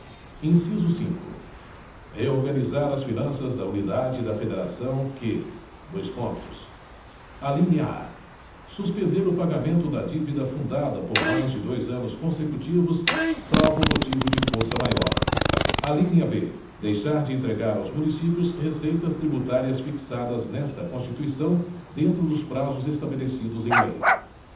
inciso cinco reorganizar as finanças da unidade da federação que dois pontos alínea a suspender o pagamento da dívida fundada por mais de dois anos consecutivos salvo motivo de força maior alínea b deixar de entregar aos municípios receitas tributárias fixadas nesta constituição dentro dos prazos estabelecidos em lei